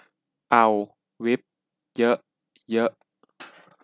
เอาวิปเยอะเยอะ